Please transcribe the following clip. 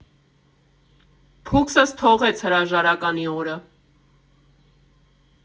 Փուքսս թողեց հրաժարականի օրը։